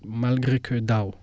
malgré que daaw